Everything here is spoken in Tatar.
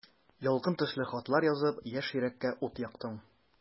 Ялкын төсле хатлар язып, яшь йөрәккә ут яктың.